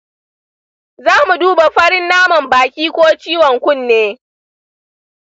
za mu duba farin naman baki ko ciwon kunne.